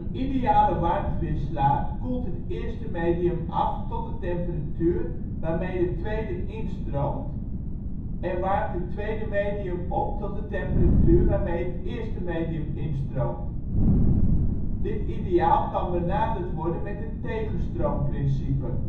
ideale warmtewisselaar koelt het eerste medium af tot de temperatuur waarmee de tweede instroomt en warmt het tweede medium op tot de temperatuur waarmee het eerste medium instroomt. Dit ideaal kan benaderd worden met het tegenstroomprincipe